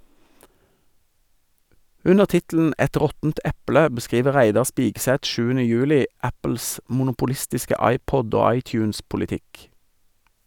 Under tittelen "Et råttent eple" beskriver Reidar Spigseth 7. juli Apples monopolistiske iPod- og iTunes-politikk.